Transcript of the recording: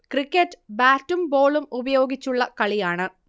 cricket ബാറ്റും ബോളും ഉപയോഗിച്ചുള്ള കളിയാണ്